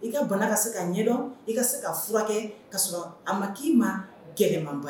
I ka bana ka se ka ɲɛdɔn i ka se ka furakɛ ka sɔrɔ a ma k'i ma gɛlɛmanba ye